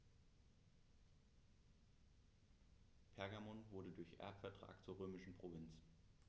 Pergamon wurde durch Erbvertrag zur römischen Provinz.